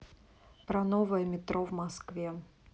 про новое метро в москве